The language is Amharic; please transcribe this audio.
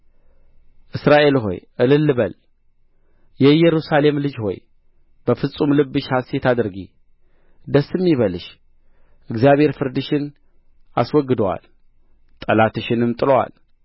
እስራኤል ሆይ እልል በል የኢየሩሳሌም ልጅ ሆይ በፍጹም ልብሽ ሐሤት አድርጊ ደስም ይበልሽ እግዚአብሔር ፍርድሽን አስወግዶአል ጠላትሽንም ጥሎአል